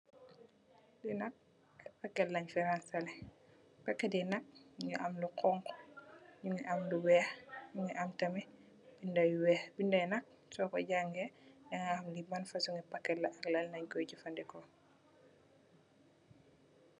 Li nak pakèt lan fi rangsalè. Pakèt yi nak mungi am lu honku, nungi am lu weeh, mungi am tamit binda yu weeh. Binda yi nak soko jàngay daga ham li ban fasung ngi pakèt la ak Lan leen koy jafadeko.